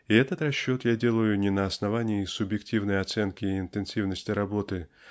И этот расчет я делаю не на основании субъективной оценки интенсивности работы